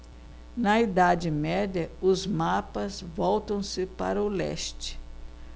na idade média os mapas voltam-se para o leste